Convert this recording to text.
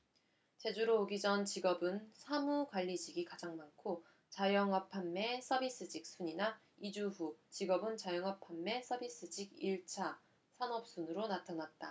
제주로 오기 전 직업은 사무 관리직이 가장 많고 자영업 판매 서비스직 순이나 이주 후 직업은 자영업 판매 서비스직 일 차 산업 순으로 나타났다